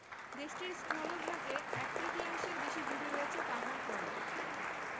দেশটির স্থলভাগে এক তৃতীয়াংশের বেশি জুড়ে রয়ছে পাহাড় পর্বত